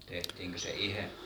tehtiinkö se itse